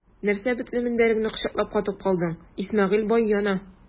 Нәрсә бетле мендәреңне кочаклап катып калдың, Исмәгыйль бай яна!